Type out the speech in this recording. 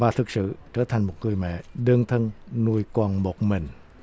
và thực sự trở thành một người mẹ đơn thân nuôi con một mình